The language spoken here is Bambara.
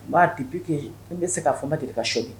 M'a di bɛ kɛ yen n bɛ se k'a fɔ ma deli ka so min